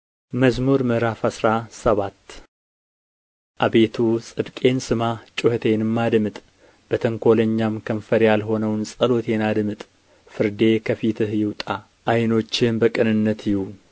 መዝሙር ምዕራፍ አስራ ሰባት አቤቱ ጽድቄን ስማ ጩኸቴንም አድምጥ በተንኰለኛም ከንፈር ያልሆነውን ጸሎቴን አድምጥ ፍርዴ ከፊትህ ይውጣ ዓይኖችህም በቅንነት ይዩ